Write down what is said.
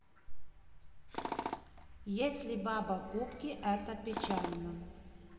если баба кубки это печально